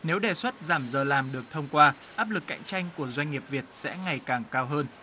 nếu đề xuất giảm giờ làm được thông qua áp lực cạnh tranh của doanh nghiệp việt sẽ ngày càng cao hơn